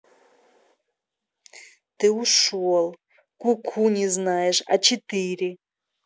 ты ушел куку не знаешь а четыре